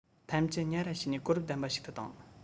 ཐམས ཅད ཉ ར བྱས ནས གོ རིམ ལྡན པ ཞིག ཏུ བཏང